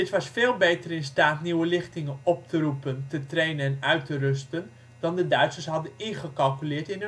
was veel beter in staat nieuwe lichtingen op te roepen, te trainen en uit te rusten dan de Duitsers hadden ingecalculeerd in